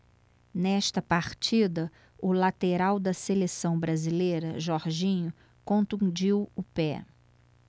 nesta partida o lateral da seleção brasileira jorginho contundiu o pé